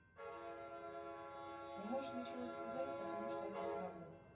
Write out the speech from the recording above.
не можешь ничего сказать потому что это правда